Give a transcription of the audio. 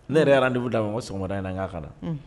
Ne yɛrɛ ye rendez-vous ma ko sogomada in na nga ka na.